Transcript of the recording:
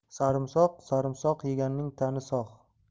sarimsoq sarimsoq yeganning tani sog'